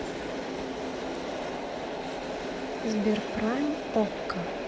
сберпрайм okko